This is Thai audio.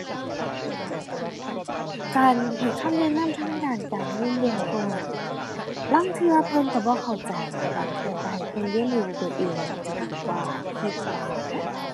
การให้คำแนะนำทางด้านการเงินเบื้องต้น ลางเทื่อเพิ่นก็บ่เข้าใจ บางเทื่อก็ให้เพิ่นเรียนรู้ด้วยตัวเองน่าจะดีกว่า คิดว่านะ